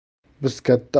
biz katta avlod